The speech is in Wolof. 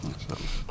macha allah